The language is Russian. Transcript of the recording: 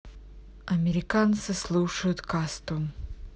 американцы слушают касту